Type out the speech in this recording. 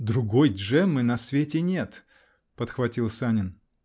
-- Другой Джеммы на свете нет! -- подхватил Санин.